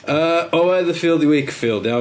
Yy o Weatherfield i Wakefield iawn?